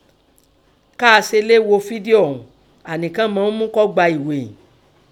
Ká a see leè gho fídio ọun , á ni kan mo ùn mú kòó gba eghe ìín